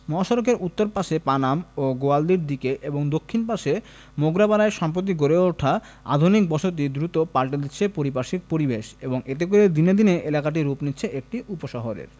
মহাসড়কের উত্তর পাশে পানাম ও গোয়ালদির দিকে এবং দক্ষিণ পাশে মোগরাপাড়ায় সম্প্রতি গড়ে ওঠা আধুনিক বসতি দ্রুত পাল্টে দিচ্ছে পারিপার্শ্বিক পরিবেশ এবং এতে করে দিনে দিনে এলাকাটি রূপ নিচ্ছে একটি উপশহরের